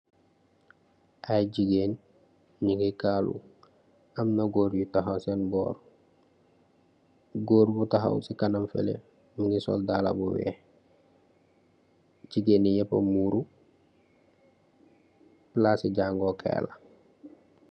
Ayy gegain nyu nge kaluu amna gorr yu tahaw sen borr gorr Bu tahaw si kanam faleh munge sol daala bu weehe gegain yee yepa muuru plasi jango kaila